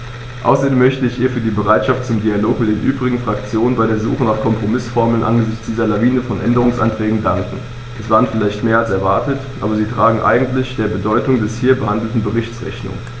Außerdem möchte ich ihr für ihre Bereitschaft zum Dialog mit den übrigen Fraktionen bei der Suche nach Kompromißformeln angesichts dieser Lawine von Änderungsanträgen danken; es waren vielleicht mehr als erwartet, aber sie tragen eigentlich der Bedeutung des hier behandelten Berichts Rechnung.